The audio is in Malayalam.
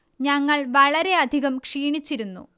ഞങ്ങൾ വളരെയധികം ക്ഷീണിച്ചിരുന്നു